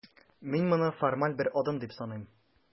Мин моны формаль бер адым дип саныйм.